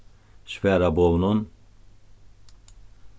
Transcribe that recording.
svara boðunum